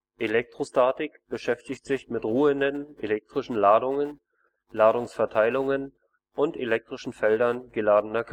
Elektrostatik beschäftigt sich mit ruhenden elektrischen Ladungen, Ladungsverteilungen und elektrischen Feldern geladener